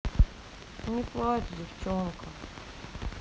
не плачь девчонка